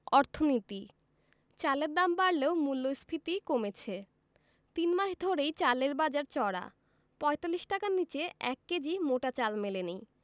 অর্থনীতি চালের দাম বাড়লেও মূল্যস্ফীতি কমেছে তিন মাস ধরেই চালের বাজার চড়া ৪৫ টাকার নিচে ১ কেজি মোটা চাল মেলেনি